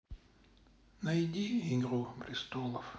найди игру престолов